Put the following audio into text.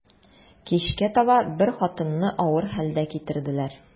Кичкә таба бер хатынны авыр хәлдә китерделәр.